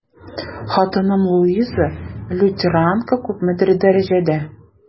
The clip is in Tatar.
Хатыным Луиза, лютеранка, күпмедер дәрәҗәдә...